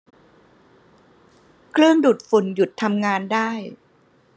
เครื่องดูดฝุ่นหยุดทำงานได้